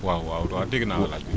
waaw waaw waa dégg naa laaj bi